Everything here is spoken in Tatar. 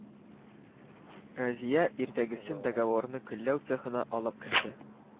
Разия иртәгесен договорны көлләү цехына алып керде